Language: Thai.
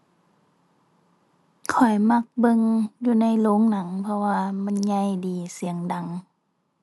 ข้อยมักเบิ่งอยู่ในโรงหนัง เพราะว่ามันใหญ่ดี เสียงดัง